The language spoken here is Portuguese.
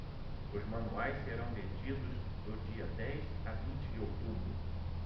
os manuais serão vendidos do dia dez a vinte de outubro